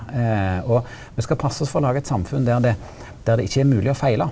og me skal passe oss for å laga eit samfunn der det der det ikkje er mogleg å feila.